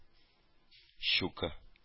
Щука